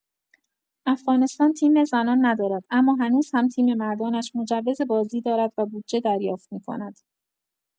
افغانستان تیم زنان ندارد، اما هنوز هم تیم مردانش مجوز بازی دارد و بودجه دریافت می‌کند.